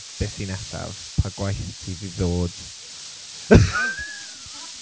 Be sy nesaf? Pa gwaith sydd i ddod?